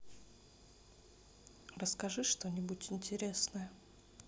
расскажи что нибудь интересное